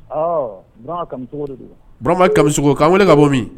An, Burama Kamisogo de don, Burama Kamisoko, k'an wele ka bɔ min